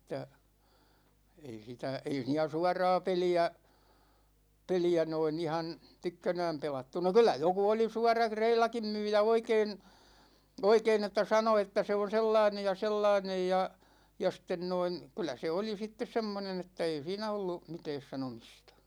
että ei sitä ei siinä suoraa peliä peliä noin ihan tykkänään pelattu no kyllä joku oli suorakin reilakin myyjä oikein oikein että sanoi että se on sellainen ja sellainen ja ja sitten noin kyllä se oli sitten semmoinen että ei siinä ollut mitään sanomista